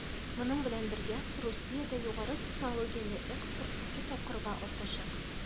Моның белән бергә Русиядә югары технологияле экспорт 2 тапкырга артачак.